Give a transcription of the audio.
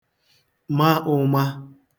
ma ụ̄mā